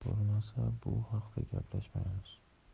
bo'lmasa bu haqda gaplashmaymiz